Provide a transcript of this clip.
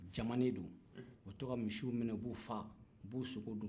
u camannen don u bɛ to ka misiw minɛ u b'u faa u b'o sogo dun